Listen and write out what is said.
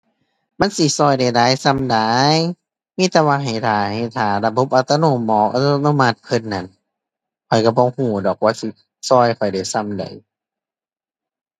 มันสิช่วยได้หลายส่ำใด มีแต่ว่าให้ท่าให้ท่าระบบอัตโนหมอกระบบอัตโนมัตเพิ่นนั่น ข้อยช่วยบ่ช่วยดอกว่าสิช่วยข้อยได้ส่ำใด